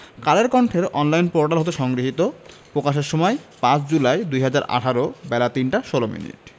কালের কন্ঠের online portal হতে সংগৃহীত প্রকাশের সময় ৫ জুলাই ২০১৮ বেলা ৩টা ১৬ মিনিট